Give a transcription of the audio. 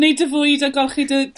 Neud dy fwyd a golchi dy...